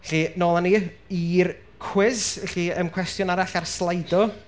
Felly, nôl â ni i'r cwis. Felly yym westiwn arall ar y Slido.